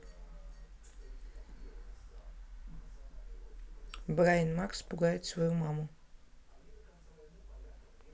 брайан макс пугает свою маму